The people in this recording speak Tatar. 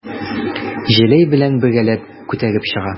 Җәләй белән бергәләп күтәреп чыга.